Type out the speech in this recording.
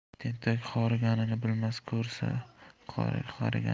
tentak horiganini bilmas ko'sa qariganini